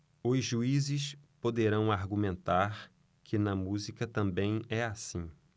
os juízes poderão argumentar que na música também é assim